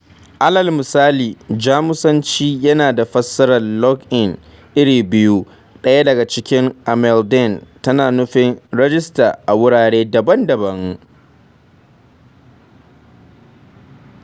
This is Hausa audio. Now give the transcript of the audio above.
Alal misali, Jamusanci yana da fassarar 'log in' iri biyu, ɗaya daga ciki (anmelden) tana nufin 'Rijista' a wurare daban-daban.